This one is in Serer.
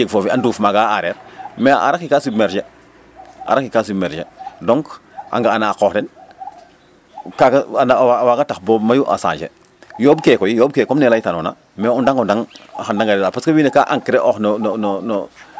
xaye jeg foofi a nduf maaga a aareer mais aaraa ke ga submerger donc a nga'ana a qooq den kaaga anda a waaga tax bo mayu a changer yooɓee ke koy yooɓe ke comme ne laytanoona mais o ndang o ndang xan da ngariida parce que ka encré oox no no